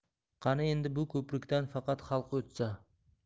qani endi bu ko'prikdan faqat xalq o'tsa